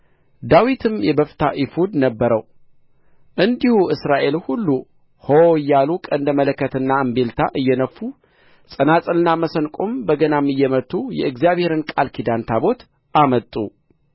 ዳዊትም የበፍታ ኤፉድ ነበረው እንዲሁ እስራኤል ሁሉ ሆ እያሉ ቀንደ መለከትና እምቢልታ እየነፉ ጸናጽልና መሰንቆም በገናም እየመቱ የእግዚአብሔርን የቃል ኪዳን ታቦት አመጡ